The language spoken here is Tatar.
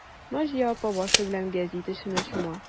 Наҗия апа башы белән гәзит эшенә чума.